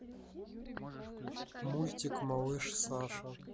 мультик малыш саша